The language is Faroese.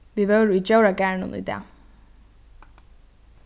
vit vóru í djóragarðinum í dag